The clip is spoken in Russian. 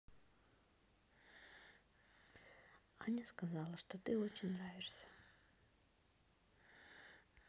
аня сказала что ты очень нравишься